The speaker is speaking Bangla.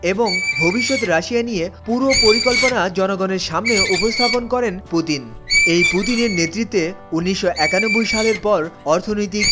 এবং ভবিষ্যৎ রাশিয়া নিয়ে পুরো কল্পনা জনগণের সামনে উপস্থাপন করেন পুতিন এই পুতিনের নেতৃত্বে ১৯৯১ সালের পর অর্থনৈতিক